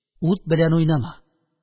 «ут белән уйнама!